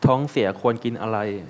ท้องเสียควรกินอะไร